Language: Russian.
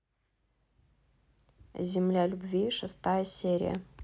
земля любви шестая серия